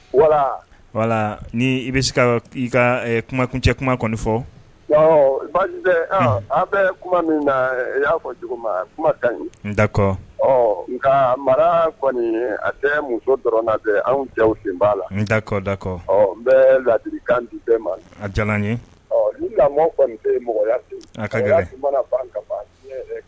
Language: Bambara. Wala wala ni i bɛ se ka i ka kumakun cɛ kuma kɔni fɔ an bɛ kuma min na i y'a fɔ jugu kuma ka ɲi n dakɔ ɔ nka mara kɔni a tɛ muso dɔrɔn bɛ anw ja sen b'a la n dakɔ dakɔ n bɛ laadi bɛɛ ma a diyara ye ni lamɔ